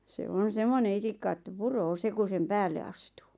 se on semmoinen itikka että puree se kun sen päälle astuu